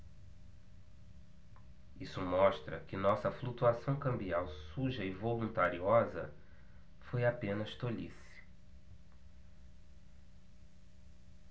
isso mostra que nossa flutuação cambial suja e voluntariosa foi apenas tolice